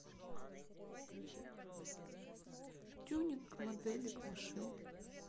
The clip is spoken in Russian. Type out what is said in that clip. тюнинг моделек машин